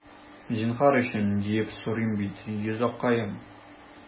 Зинһар өчен, диеп сорыйм бит, йозаккаем...